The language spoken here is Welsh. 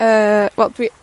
yy, wel, dwi,